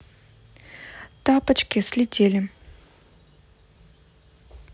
тапочки слетели